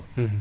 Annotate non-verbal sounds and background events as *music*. *hesitation* *hesitation*